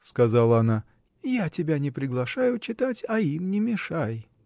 — сказала она, — я тебя не приглашаю читать, а им не мешай!